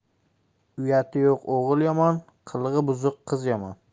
uyati yo'q o'g'il yomon qilig'i buzuq qiz yomon